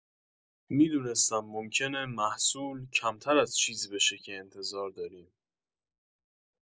می‌دونستم ممکنه محصول کمتر از چیزی بشه که انتظار داریم.